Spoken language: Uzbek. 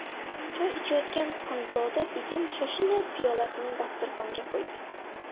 choy ichayotgan xonzoda begim shoshilib piyolasini dasturxonga qo'ydi